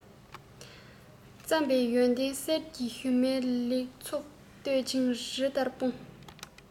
རྩོམ པས ཡོན ཏན གསེར གྱི ཞུན མའི ལེགས ཚོགས བསྟན བཅོས རི ལྟར སྤུངས